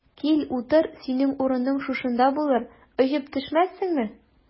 Кил, утыр, синең урының шушында булыр, очып төшмәссеңме?